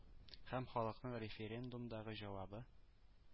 Һәм халыкның референдумдагы җавабы